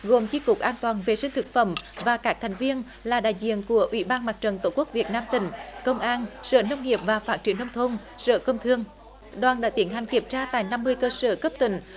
gồm chi cục an toàn vệ sinh thực phẩm và các thành viên là đại diện của ủy ban mặt trận tổ quốc việt nam tỉnh công an sở nông nghiệp và phát triển nông thôn sở công thương đoàn đã tiến hành kiểm tra tại năm mươi cơ sở cấp tỉnh